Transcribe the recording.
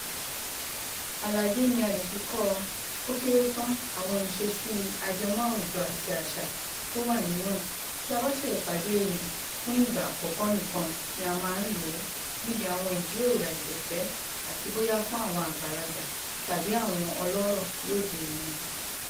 Àlàyé ni a lè fi kọ́ ọ, ó kéré tán, àwọn ìṣesí ajẹmọ́ àwùjọ àti àṣà tó wà nínú ẹ̀ : tí a bá ṣẹ̀ṣẹ̀ pàdé èèyàn fún ìgbà àkọ́kọ́ nikan ni a máa ń lò ó, níbi àwọn ìjíròrò àìgbẹ̀fẹ̀ àti, bóyá fún àwọn àgbàlagbà tàbí àwọn ọlọ́rọ̀ lóde òní.